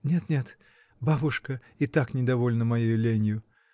— Нет, нет: бабушка и так недовольна моею ленью.